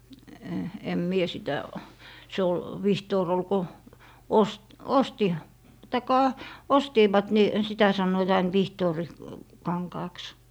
en minä sitä se oli vihtori oli kun - osti tai ostivat niin sitä sanoivat aina - vihtorikankaaksi